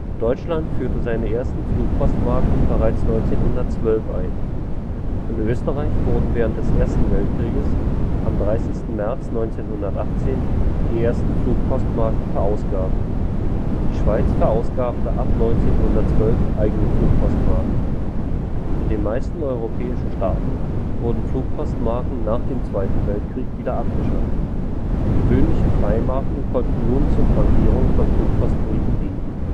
Deutschland führte seine ersten Flugpostmarken bereits 1912 ein. In Österreich wurden während des Ersten Weltkrieges, am 30. März 1918, die ersten Flugpostmarken verausgabt. Die Schweiz verausgabte ab 1912 eigene Flugpostmarken. In den meisten europäischen Staaten wurden Flugpostmarken nach dem Zweiten Weltkrieg wieder abgeschafft. Gewöhnliche Freimarken konnten nun zur Frankierung von Flugpostbriefen dienen